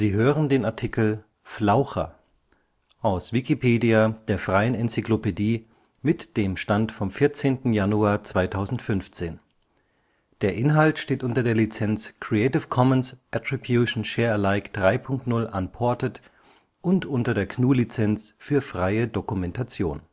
hören den Artikel Flaucher, aus Wikipedia, der freien Enzyklopädie. Mit dem Stand vom Der Inhalt steht unter der Lizenz Creative Commons Attribution Share Alike 3 Punkt 0 Unported und unter der GNU Lizenz für freie Dokumentation